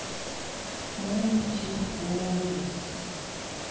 мультик поезд